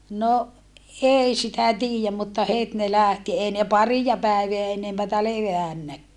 no ei sitä tiedä mutta heti ne lähti ei ne paria päivää enempää levänneetkään